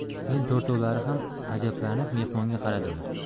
keyin to'rtovlari ham ajablanib mehmonga qaradilar